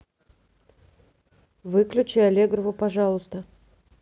выключи аллегрову пожалуйста